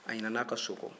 a ɲinanna a ka so kɔ